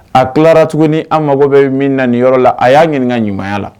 A tilara tuguni an mabɔ bɛ min na nin yɔrɔ la a y'a ɲininka ɲumanya la